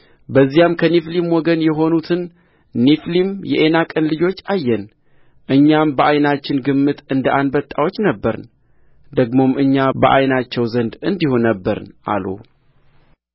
በዚያም ከኔፊሊም ወገን የሆኑትን ኔፊሊም የዔናቅን ልጆች አየን እኛም በዓይናችን ግምት እንደ አንበጣዎች ነበርን ደግሞም እኛ በዓይናቸው ዘንድ እንዲሁ ነበርን አሉ